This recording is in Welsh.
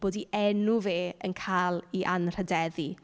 Bod ei enw fe yn cael ei anrhyddeddu.